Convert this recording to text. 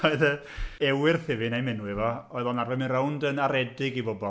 Oedd yy ewythr i fi, wna i ddim enwi fo. Oedd o'n arfer mynd rownd yn aredig i bobl.